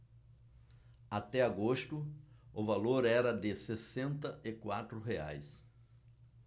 até agosto o valor era de sessenta e quatro reais